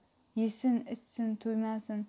yesin ichsin to'ymasin